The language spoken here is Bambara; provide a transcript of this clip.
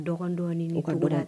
Dɔgɔnin dɔɔninɔni ka don da